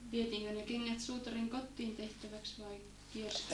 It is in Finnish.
vietiinkö ne kengät suutarin kotiin tehtäväksi vai kiersikö ne